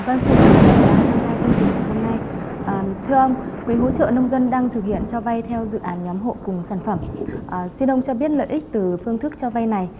vâng xin cảm ơn ông đã tham gia chương trình hôm nay à thưa ông quỹ hỗ trợ nông dân đang thực hiện cho vay theo dự án nhóm hộ cùng sản phẩm à xin ông cho biết lợi ích từ phương thức cho vay này